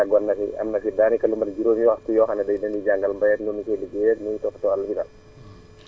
waaw moom yàggoon na fi am na fi daanak lu mot juróomi waxtu yoo xam ne dinañu jàngal mbay ak nuñu koy ligéeyeeg nu ñuy toppatoo àll bi daal